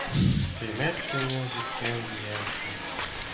Кыямәт көне җиткән диярсең.